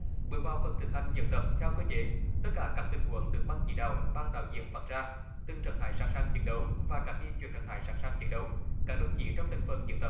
bước vào phần thực hành diễn tập theo cơ chế tất cả các tình huống được ban chỉ đạo ban đại diện phát ra từng trạng thái sẵn sàng chiến đấu và cả khi chuyển trạng thái sẵn sàng chiến đấu các đồng chí trong thành phần diễn tập